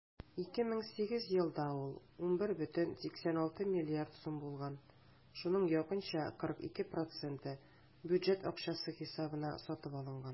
2008 елда ул 11,86 млрд. сум булган, шуның якынча 42 % бюджет акчасы хисабына сатып алынган.